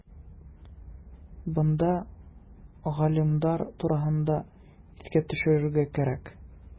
Монда галимнәр турында искә төшерергә кирәк.